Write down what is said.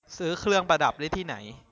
ซื้อเครื่องประดับได้ที่ไหน